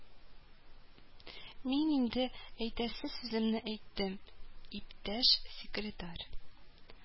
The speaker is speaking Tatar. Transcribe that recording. – мин инде әйтәсе сүземне әйттем, иптәш секретарь, –